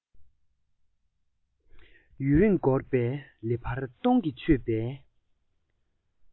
ཡུན རིང འགོར པའི ལེ དབར སྟོང གིས ཆོད པའི